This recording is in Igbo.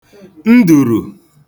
ndùrù